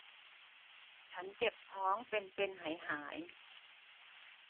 ฉันเจ็บท้องเป็นเป็นหายหาย